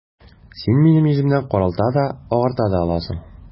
Син минем йөземне каралта да, агарта да аласың...